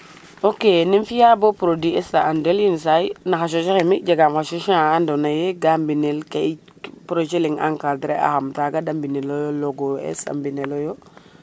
ok nem fiya bo produit es a an del yenisay na xa sachet xemi jegam xa sachet xa ando naye ga mbinel projet leng encadrer axam taga de mbinelo yo logo es a mbinelo yo